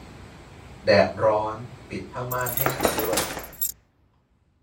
แดดร้อนปิดผ้าม่านให้ฉันด้วย